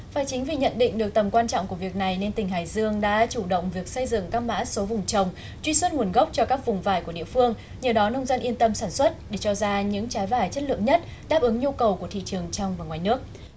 và chính vì nhận định được tầm quan trọng của việc này nên tỉnh hải dương đã chủ động việc xây dựng các mã số vùng trồng truy xuất nguồn gốc cho các vùng vải của địa phương nhờ đó nông dân yên tâm sản xuất để cho ra những trái vải chất lượng nhất đáp ứng nhu cầu của thị trường trong và ngoài nước